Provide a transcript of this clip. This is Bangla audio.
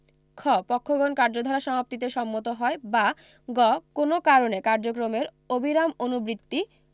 খ পক্ষগণ কার্যধারা সমাপ্তিতে সম্মত হয় বা গ কোন কারণে কার্যক্রমের অবিরাম অনুবৃত্তি